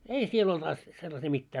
ei siellä ollut - sellaisia mitään